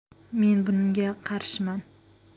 men bunga qarshiman